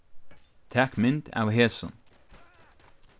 tak mynd av hesum